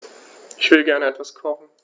Ich will gerne etwas kochen.